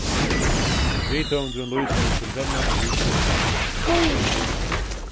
rithøvundurin lýsir sín brennandi hug fyri kærleika sínum